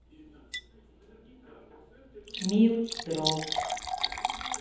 милк дроп